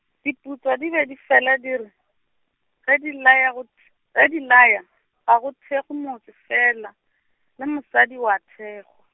diputswa di be di fela di re, ge di laya go t-, ge di laya, ga go thekgwe motse fela, le mosadi wa thekgwa.